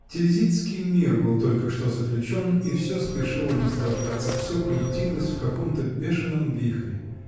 Тильзитский мир был только что заключен, и все спешило наслаждаться, все крутилось в каком-то бешеном вихре